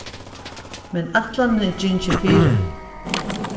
men ætlanin er gingin fyri